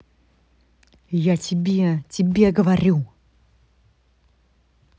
я тебе тебе говорю